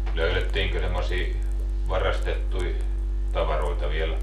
löydettiinkö semmoisia varastettuja tavaroita vielä